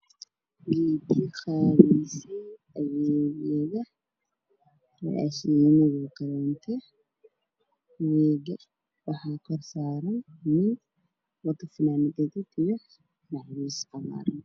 Waa wiish waxaa saaran raashin ku jiraan jawaano waxaa ii muuqda nin wato shaatijaallo macwiis